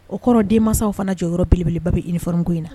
O kɔrɔ denmanw fana cɛ yɔrɔ beleba bɛ ifɔ ko in na